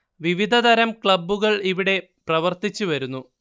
വിവധതരം ക്ലബ്ബുകൾ ഇവിടെ പ്രവർത്തിച്ച് വരുന്നു